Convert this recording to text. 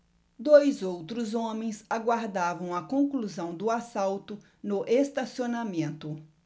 dois outros homens aguardavam a conclusão do assalto no estacionamento